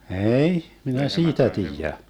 ei minä siitä tiedä